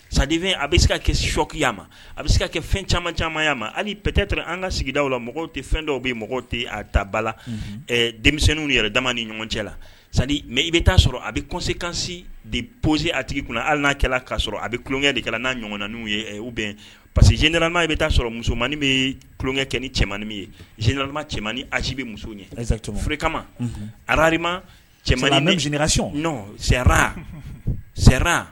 Sadifɛn a bɛ se ka kɛ sɔɔki a ma a bɛ se ka kɛ fɛn caman camanma ye a ma hali ptɛ ten an ka sigida la mɔgɔw tɛ fɛn dɔw bɛ mɔgɔw tɛ a taba la denmisɛnnin yɛrɛ dama ni ɲɔgɔn cɛ la mɛ i bɛ'a sɔrɔ a bɛ kɔse kansi deɔosi a tigi kunna hali n'a kɛra k'a sɔrɔ a bɛ tulonkɛ dekɛla n'a ɲɔgɔnin ye u bɛn parce que zrma i bɛ'a sɔrɔ musomanmaniin bɛ tulonkɛ kɛ ni cɛmanmani min ye zrma cɛmaninin a bɛ musof kama arama cɛ jrasi sɛ